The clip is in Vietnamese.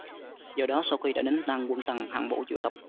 do đó sau khi đã đánh tan quân tần hạng vũ triệu tập